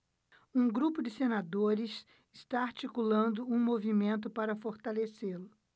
um grupo de senadores está articulando um movimento para fortalecê-lo